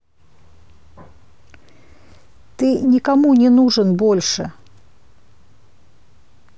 ты никому не нужен больше